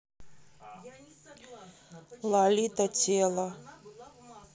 лолита тело